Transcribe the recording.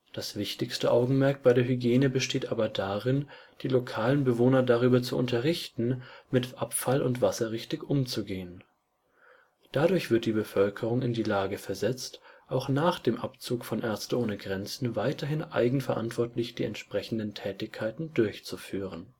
Das wichtigste Augenmerk bei der Hygiene besteht aber darin, die lokalen Bewohner darüber zu unterrichten, mit Abfall und Wasser richtig umzugehen. Dadurch wird die Bevölkerung in die Lage versetzt, auch nach dem Abzug von MSF weiterhin eigenverantwortlich die entsprechenden Tätigkeiten durchzuführen